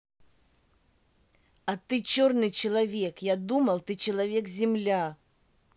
а ты черный человек я думал ты человек земля